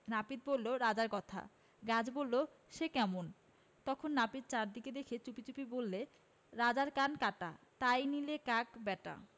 নাপিত বলল রাজার কথা গাছ বলল সে কমন তখন নাপিত চারিদিকে চেয়ে চুপিচুপি বললে রাজার কান কাটা তাই নিলে কাক ব্যাটা